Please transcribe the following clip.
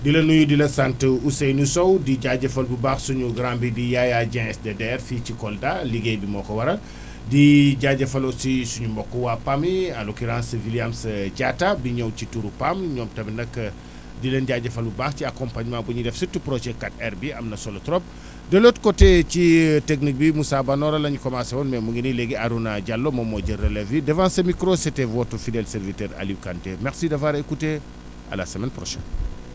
di la nuyu di la sant Ousseynou Sow di jaajëfal bu baax suñu grand bi di Yaya Dieng SDDR fii ci Kolda liggéey bi moo ko waral di jaajëfal aussi suñu mbokku waa PAM yi en l' occurence William Diatta bi ñëw ci turu PAM ñoom tamit nag di leen jaajëfal bu baax ci accompagnement bi ñuy def surtout projet 4R bi am na solo trop de l' autre côté ci technique bi Moussa Banora la ñu commencé woon mais mu ngi nii léegi Arouna Diallo moom moo jël relève bi devant ce micro c' était votre fidèle serviteur Alioune Kanté merci d' avoir écouté à la semaine prochaine